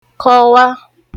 kọwa